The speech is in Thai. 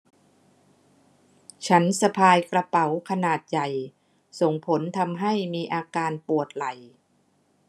ฉันสะพายกระเป๋าขนาดใหญ่ส่งผลทำให้มีอาการปวดไหล่